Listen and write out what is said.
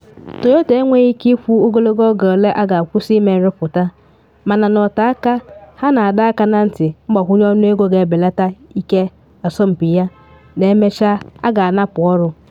Toyota enweghị ike ikwu ogologo oge ole a ga-akwụsị ime nrụpụta, mana n’ote aka, ha na-adọ aka na ntị mgbakwunye ọnụego ga-ebelata ike asompi ya na emechaa a ga-anapụ ọrụ.